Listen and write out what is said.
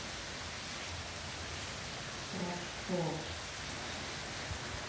про что